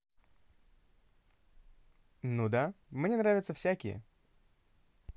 ну да мне нравятся всякие